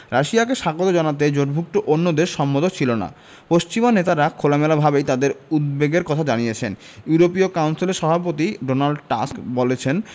রাশিয়াকে স্বাগত জানাতে জোটভুক্ত অন্য দেশ সম্মত ছিল না পশ্চিমা নেতারা খোলামেলাভাবেই তাঁদের উদ্বেগের কথা জানিয়েছেন ইউরোপীয় কাউন্সিলের সভাপতি ডোনাল্ড টাস্ক বলেছেন